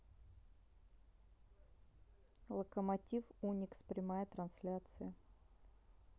локомотив уникс прямая трансляция